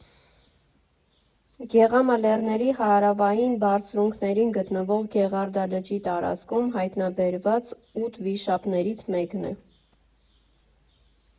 Գեղամա լեռների հարավային բարձունքներին գտնվող Գեղարդա լճի տարածքում հայտնաբերված ութ վիշապներից մեկն է։